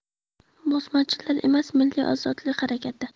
bosmachilar emas milliy ozodlik harakati